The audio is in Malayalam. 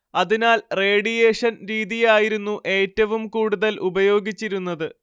അതിനാൽ റേഡിയേഷൻ രീതിയായിരുന്നു ഏറ്റവും കൂടുതൽ ഉപയോഗിച്ചിരുന്നത്